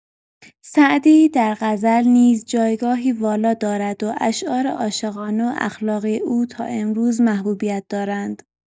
سعدی در غزل نیز جایگاهی والا دارد و اشعار عاشقانه و اخلاقی او تا امروز محبوبیت دارند.